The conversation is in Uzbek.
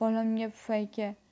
bolamga pufayka